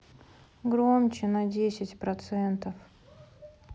громче на десять процентов